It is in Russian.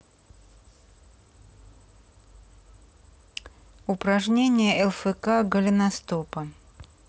упражнения лфк голеностопа